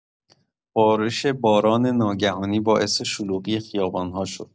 بارش باران ناگهانی باعث شلوغی خیابان‌ها شد.